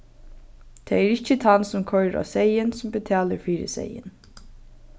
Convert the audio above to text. tað er ikki tann sum koyrir á seyðin sum betalir fyri seyðin